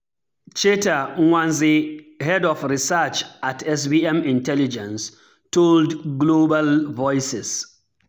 Cheta Nwanze, Head of Research at SBM Intelligence told Global Voices: